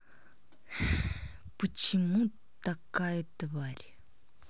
почему такая тварь